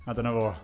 A dyna fo.